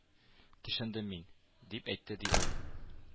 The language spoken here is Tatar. Төшендем мин, — дип әйтте, ди, ул.